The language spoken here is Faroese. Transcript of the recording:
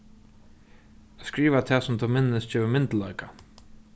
at skriva tað sum tú minnist gevur myndugleika